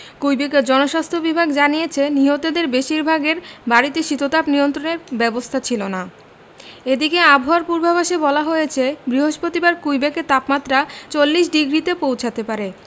কুইবেকের জণস্বাস্থ্য বিভাগ জানিয়েছে নিহতদের বেশিরভাগের বাড়িতে শীততাপ নিয়ন্ত্রণের ব্যবস্থা ছিল না এদিকে আবহাওয়ার পূর্বাভাসে বলা হয়েছে বৃহস্পতিবার কুইবেকে তাপমাত্রা ৪০ ডিগ্রিতে পৌঁছাতে পারে